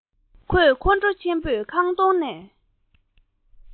ཁོས ཁོང ཁྲོ ཆེན པོས ཁང སྟོང ནས